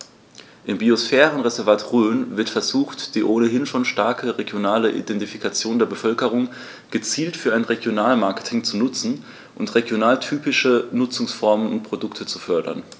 Im Biosphärenreservat Rhön wird versucht, die ohnehin schon starke regionale Identifikation der Bevölkerung gezielt für ein Regionalmarketing zu nutzen und regionaltypische Nutzungsformen und Produkte zu fördern.